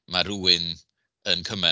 Mae rywun yn Cymen